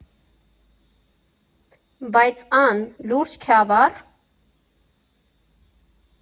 ֊ Բայց, Ան, լուրջ, Քյավա՞ռ…